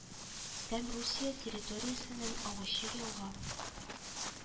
Сэм Русия территориясеннән агучы елга